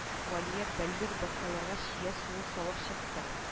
Галия бәллүр бокалларга чия суы салып чыкты